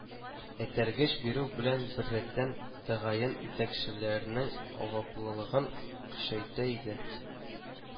Этәргеч бирү белән беррәттән, тәгаен итәкчеләрнең аваплылыгын көчәйтә иде